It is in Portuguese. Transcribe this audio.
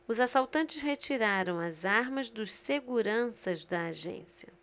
os assaltantes retiraram as armas dos seguranças da agência